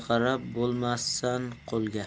qaram bo'lmassan qo'lga